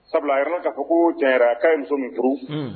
Sabula a jira la k'a fɔ ko janyara ka ye muso min furu